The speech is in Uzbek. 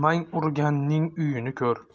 mang urganning uyini ko'r